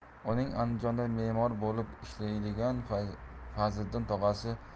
uning andijonda memor bo'lib ishlaydigan fazliddin